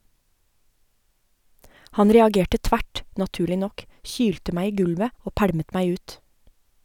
Han reagerte tvert, naturlig nok, kylte meg i gulvet og pælmet meg ut.